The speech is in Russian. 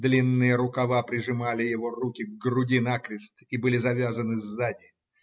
длинные рукава прижимали его руки к груди накрест и были завязаны сзади.